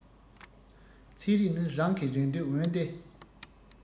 ཚེ རིང ནི རང གི རེ འདོད འོན ཏེ